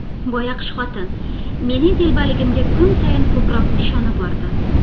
boyoqish xotin mening telbaligimga kun sayin ko'proq ishona bordi